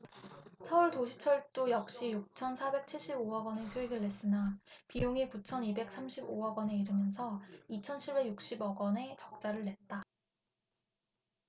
서울도시철도 역시 육천 사백 칠십 오 억원의 수익을 냈으나 비용이 구천 이백 삼십 오 억원에 이르면서 이천 칠백 육십 억원의 적자를 냈다